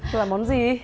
là món gì